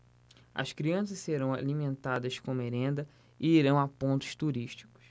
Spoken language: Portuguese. as crianças serão alimentadas com merenda e irão a pontos turísticos